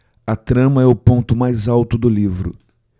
a trama é o ponto mais alto do livro